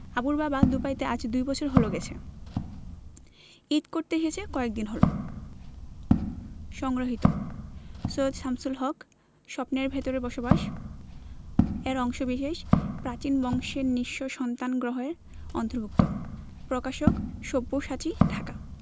আবুর বাবা দুবাইতে আজ দুবছর হলো গেছে ঈদ করতে এসেছে কয়েকদিন হলো সংগৃহীত সৈয়দ শামসুল হক স্বপ্নের ভেতরে বসবাস এর অংশবিশেষ প্রাচীন বংশের নিঃস্ব সন্তান গ্রন্থের অন্তর্ভুক্ত প্রকাশকঃ সব্যসাচী ঢাকা